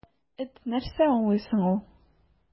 Эт нәрсә аңлый соң ул!